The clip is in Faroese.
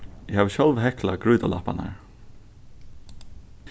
eg havi sjálv hekklað grýtulapparnar